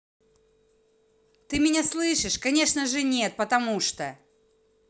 ты меня слышишь конечно же нет потому что